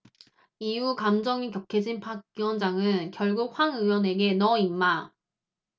이후 감정이 격해진 박 위원장은 결국 황 의원에게 너 임마